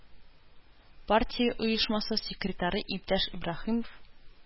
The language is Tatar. Партия оешмасы секретаре иптәш Ибраһимов